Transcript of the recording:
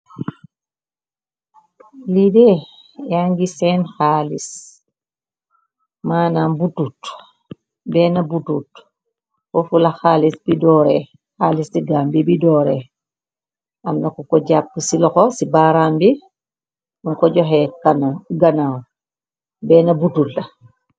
Liidee, yangi seen xaalis , maanam butut, benn butut, xofula xaalis bi doore, xaalis ti gam bi bi doore, amnako ko jàpp ci loxo, ci baaram bi mu ko joxe ganaaw benn bututa.